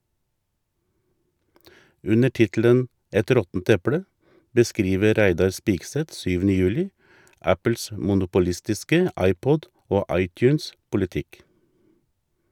Under tittelen "Et råttent eple" beskriver Reidar Spigseth 7. juli Apples monopolistiske iPod- og iTunes-politikk.